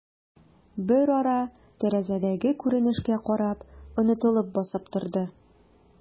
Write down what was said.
Берара, тәрәзәдәге күренешкә карап, онытылып басып торды.